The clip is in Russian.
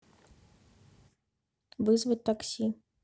вызвать такси